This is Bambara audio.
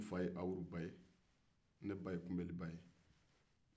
ne fa ye awuru ba ye ne ba ye kunbeli ba ye